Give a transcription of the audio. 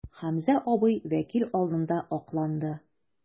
Хәмзә абый вәкил алдында акланды.